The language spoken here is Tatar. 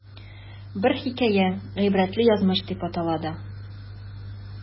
Бер хикәя "Гыйбрәтле язмыш" дип атала да.